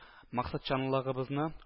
Максатчанлыгыбызны